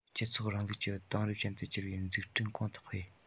སྤྱི ཚོགས རིང ལུགས ཀྱི དེང རབས ཅན དུ འགྱུར བའི འཛུགས སྐྲུན གོང དུ འཕེལ